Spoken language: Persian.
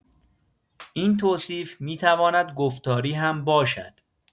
این توصیف می‌تواند گفتاری هم باشد.